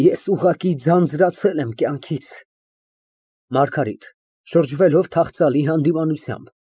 Ես ուղղակի ձանձրացել եմ կյանքից։ ՄԱՐԳԱՐԻՏ ֊ (Շրջվելով, թախծալի հանդիմանությամբ)